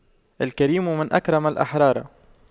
الكريم من أكرم الأحرار